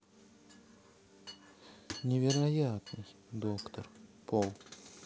невероятный доктор пол